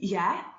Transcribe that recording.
ie!